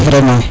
vraiment